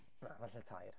Na falle tair.